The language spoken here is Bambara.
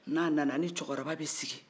n'a nana a ni cɛkɔrɔba bɛ sigi